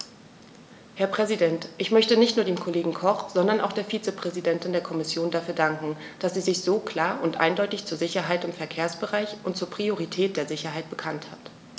Herr Präsident, ich möchte nicht nur dem Kollegen Koch, sondern auch der Vizepräsidentin der Kommission dafür danken, dass sie sich so klar und eindeutig zur Sicherheit im Verkehrsbereich und zur Priorität der Sicherheit bekannt hat.